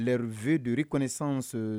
Leur veux de reconnaissane